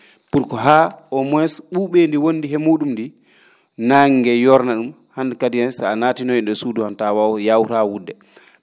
pour que haa au moins ?uu?eendi wonndi he muu?um ndi nannge ngee yoorna ?um haande kadi so a natinoyii e nder suudu han taa waw yaawaraa wu?de